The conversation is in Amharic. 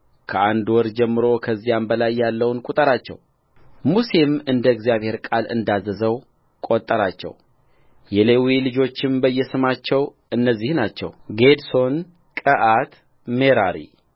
ከአንድ ወር ጀምሮ ከዚያም በላይ ያለውን ቍጠራቸውሙሴም እንደ እግዚአብሔር ቃል እንዳዘዘው ቈጠራቸውየሌዊ ልጆች በየስማቸው እነዚህ ናቸው ጌድሶን ቀዓት ሜራሪ